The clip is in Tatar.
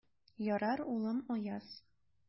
Ярар, улым, Аяз.